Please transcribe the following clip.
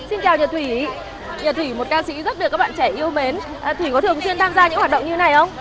xin chào nhật thủy nhật thủy một ca sĩ rất được các bạn trẻ yêu mến à thủy có thường xuyên tham gia những hoạt động như này không